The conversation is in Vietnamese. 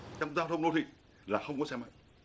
trong giao thông đô thị là không có xe máy